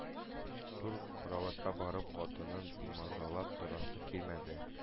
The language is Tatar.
Түр караватка барып хатынын бимазалап торасы килмәде.